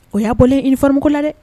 O yya bɔlen i famko la dɛ